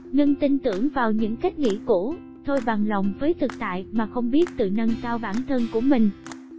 ngưng tin tưởng vào những cách nghĩ cũ thôi bằng lòng với thực tại mà không biết tự nâng cao bản thân của mình